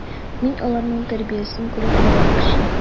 Мин аларның тәрбиясен күреп калган кеше.